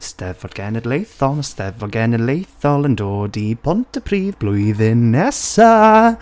'Steddfod Genedlaethol, 'Steddfod Genedlaethol, yn dod i Pontypridd blwyddyn nesa!